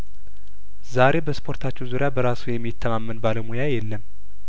ዛሬ በስፖርታችሁ ዙሪያ በራሱ የሚተማመን ባለሙያ የለም